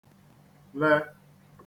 lẹ